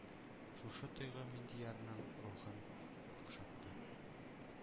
Шушы тойгы Миндиярның рухын какшатты,